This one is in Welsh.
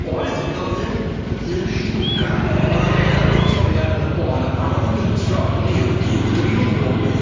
Oedd o'dd o'n ddyn ddyn lliwgar yy o'dd y rêl Fictorian yn y bôn yn barod i feintro ynny yw duwch driwn ni weld be'